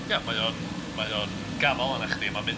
Ia mae o'n mae o'n gafael ynddo chdi a mae'n mynd...